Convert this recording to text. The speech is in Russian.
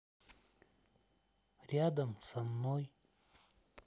рядом со мной